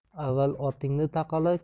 avval otingni taqala